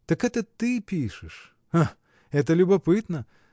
Так это ты пишешь: ах, это любопытно!